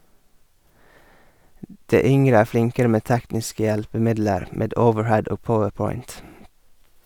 De yngre er flinkere med tekniske hjelpemidler, med overhead og powerpoint.